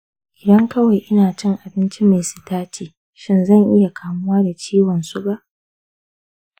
idan kawai ina cin abinci mai sitaci, shin zan iya kamuwa da ciwon suga?